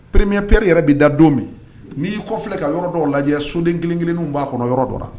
Première pierre yɛrɛ bɛ da don min n'i kɔ filɛ ka yɔrɔ dɔw lajɛ soden kelen- kelenw b'a kɔnɔ yɔrɔ dɔ